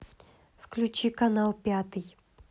включи канал пятый